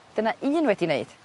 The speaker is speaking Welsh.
Dyna un wedi neud